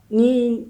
Mun